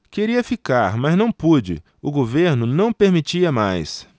queria ficar mas não pude o governo não permitia mais